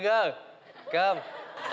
bơ gơ cơm